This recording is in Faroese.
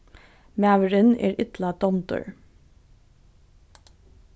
maðurin er illa dámdur